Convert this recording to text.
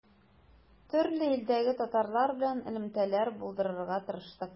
Төрле илдәге татарлар белән элемтәләр булдырырга тырыштык.